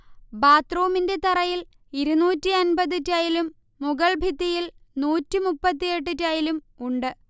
ബാത്ത്റൂമിന്റെ തറയിൽ ഇരുന്നൂറ്റി അൻപത് ടൈലും മുകൾഭിത്തിയിൽ നൂറ്റി മുപ്പത്തിയെട്ട് ടൈലും ഉണ്ട്